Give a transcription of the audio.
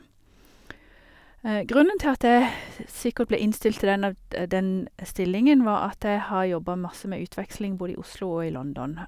Grunnen til at jeg sikkert ble innstilt til den avd den stillingen, var at jeg har jobba masse med utveksling både i Oslo og i London.